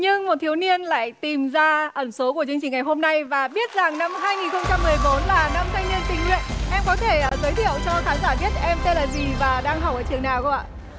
nhưng một thiếu niên lại tìm ra ẩn số của chương trình ngày hôm nay và biết rằng năm hai nghìn không trăm mười bốn là năm thanh niên tình nguyện em có thể giới thiệu cho khán giả biết em tên là gì và đang học ở trường nào không ạ